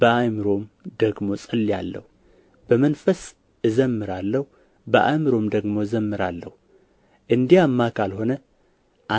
በአእምሮም ደግሞ እጸልያለሁ በመንፈስ እዘምራለሁ በአእምሮም ደግሞ እዘምራለሁ እንዲያማ ካልሆነ